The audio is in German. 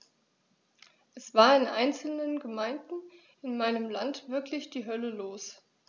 Es war in einzelnen Gemeinden in meinem Land wirklich die Hölle los.